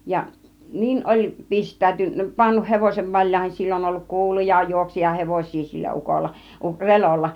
ja niin oli - pannut hevosen valjaihin sillä on ollut kuuluja - juoksijahevosia sillä ukolla Relolla